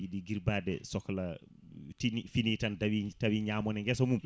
yiiɗi guirbade sohla tini fini tan daawi tawi ñamoon e guessa mum